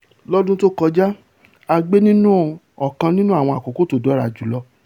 Lọ́dún tó kọjá a gbé nínù ọ̀kan nínú àwọn àkókò tó dára jùlọ.